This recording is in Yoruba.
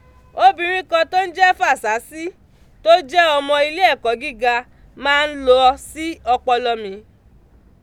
Obìnrin kan tó ń jẹ́ Fàsásí, tó jẹ́ ọmọ ilé ẹ̀kọ́ gíga, máa ń lọ sí ọpọlọ mi.